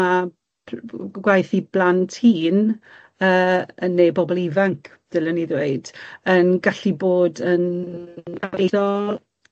ma' p- gw- gwaith i blant hŷn yy yn ne' bobol ifanc ddylen i ddweud yn gallu bod yn